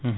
hum